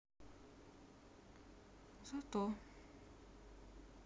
зато